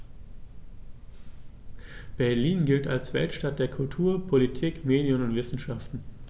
Berlin gilt als Weltstadt der Kultur, Politik, Medien und Wissenschaften.